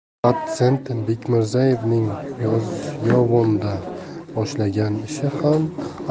dotsent bekmirzaevning yozyovonda boshlagan ishi ham